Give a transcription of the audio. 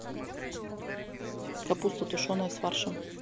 капуста тушеная с фаршем